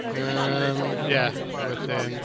Yym ie, a wedyn...